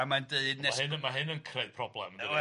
A mae'n deud nes-... Ma' hyn ma' hyn yn creu problem yndydi?...